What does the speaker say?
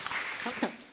takk takk.